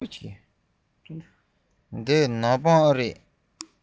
འདི ནག པང རེད པས